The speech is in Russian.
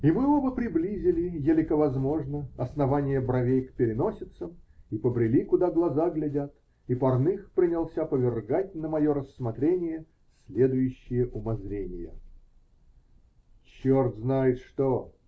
И мы оба приблизили, елико возможно, основания бровей к переносицам и побрели куда глаза глядят, и Парных принялся повергать на мое рассмотрение следующие умозрения: -- Черт знает что!